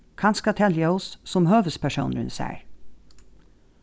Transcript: kanska tað ljós sum høvuðspersónurin sær